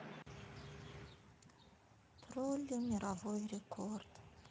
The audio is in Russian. тролли мировой рекорд